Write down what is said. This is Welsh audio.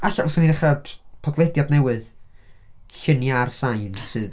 Ella ddylsa ni ddechrau jys- podlediad newydd, lluniau ar sain sydd...